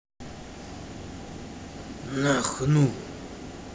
на хну